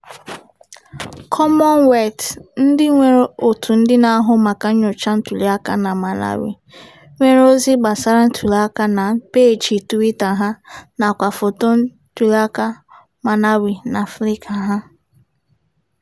Commonwealth, ndị nwere òtù ndị na-ahụ maka nnyocha ntuliaka na Malawi, nwere ozi gbasara ntuliaka na peeji Twitter ha nakwa foto ntuliaka Malawi na Flickr ha.